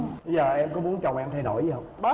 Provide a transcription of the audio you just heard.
giờ em có muốn chồng em thay đổi gì không